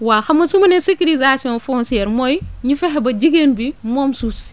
waa xam nga su ma nee sécurisation foncière mooy ñu fexe bajigéen bi moom suuf si